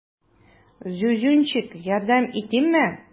Зюзюнчик, ярдәм итимме?